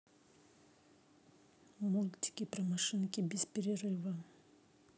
мультики про машинки без перерыва